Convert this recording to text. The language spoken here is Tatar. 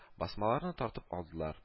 Басмаларны тартып алдылар;